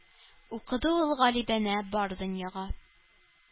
Укыды ул галибанә бар дөньяга.